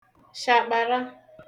shàkpàra